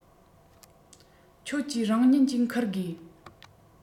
ཁྱོད ཀྱིས རང ཉིད ཀྱིས འཁུར དགོས